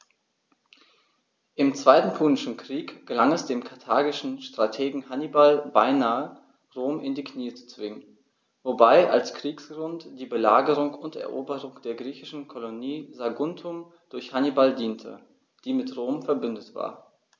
Im Zweiten Punischen Krieg gelang es dem karthagischen Strategen Hannibal beinahe, Rom in die Knie zu zwingen, wobei als Kriegsgrund die Belagerung und Eroberung der griechischen Kolonie Saguntum durch Hannibal diente, die mit Rom „verbündet“ war.